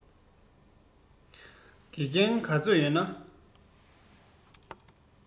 དགེ རྒན ག ཚོད ཡོད ན